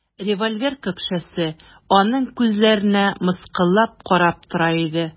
Револьвер көпшәсе аның күзләренә мыскыллап карап тора иде.